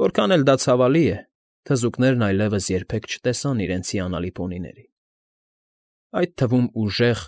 Որքան էլ դա ցավալի է, թզուկներն այլևս երբեք չտեսան իրենց հիանալի պոնիներին, այդ թվում ուժեղ,